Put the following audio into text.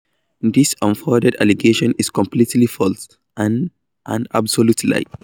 This unfounded allegation is completely false and an absolute lie."